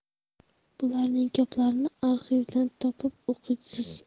bularning gaplarini arxivdan topib o'qiysiz